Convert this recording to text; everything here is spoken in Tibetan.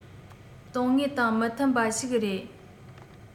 དོན དངོས དང མི མཐུན པ ཞིག རེད